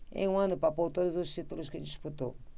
em um ano papou todos os títulos que disputou